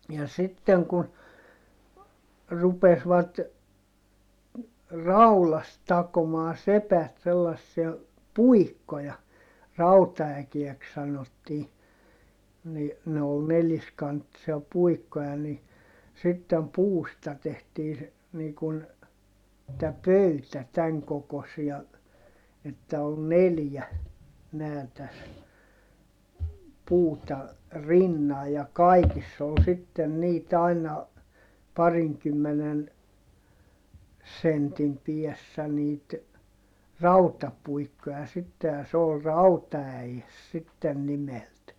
ja sitten kun rupesivat raudasta takomaan sepät sellaisia puikkoja rautaäkeeksi sanottiin niin ne oli neliskanttisia puikkoja niin sitten puusta tehtiin se niin kuin tämä pöytä tämän kokoisia että oli neljä nämä tässä puuta rinnan ja kaikissa oli sitten niitä aina parinkymmenen sentin päässä niitä rautapuikkoja sitten ja se oli rautaäes sitten nimeltään